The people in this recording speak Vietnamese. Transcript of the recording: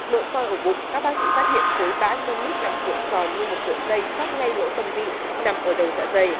nội soi ổ bụng các bác sĩ phát hiện khối bã xơ mít nằm cuộn tròn như một cuộn dây sắt ngay lỗ tâm vị nằm ở đầu dạ dày